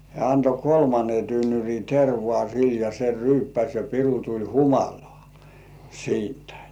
hän antoi kolmannen tynnyrin tervaa sille ja se ryyppäsi ja piru tuli humalaan siitä